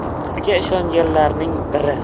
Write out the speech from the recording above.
o'ziga ishonganlarning biri